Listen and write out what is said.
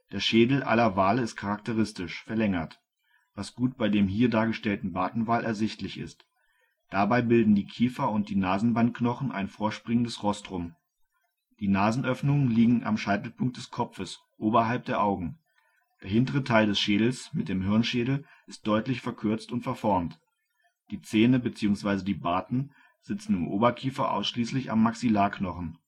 Der Schädel aller Wale ist charakteristisch verlängert, was gut bei dem hier dargestellten Bartenwal ersichtlich ist. Dabei bilden die Kiefer - und die Nasenbeinknochen ein vorspringendes Rostrum. Die Nasenöffnungen liegen am Scheitelpunkt des Kopfes oberhalb der Augen. Der hintere Teil des Schädels mit dem Hirnschädel ist deutlich verkürzt und verformt. Die Zähne bzw. die Barten sitzen im Oberkiefer ausschließlich am Maxillarknochen